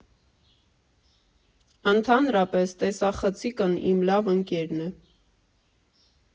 Ընդհանրապես, տեսախցիկն իմ լավ ընկերն է։